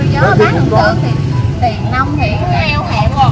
tiền nông thì nó eo hẹp